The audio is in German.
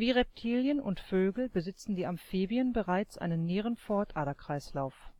Reptilien und Vögel besitzen die Amphibien bereits einen Nierenpfortaderkreislauf